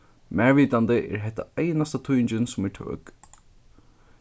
mær vitandi er hetta einasta týðingin sum er tøk